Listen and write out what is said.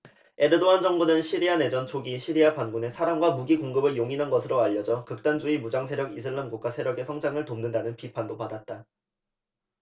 에르도안 정부는 시리아 내전 초기 시리아 반군에 사람과 무기 공급을 용인한 것으로 알려져 극단주의 무장세력 이슬람국가 세력의 성장을 돕는다는 비판도 받았다